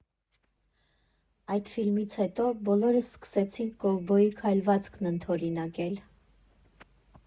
Այդ ֆիլմից հետո բոլորս սկսեցինք կովբոյի քայլվածքն ընդօրինակել։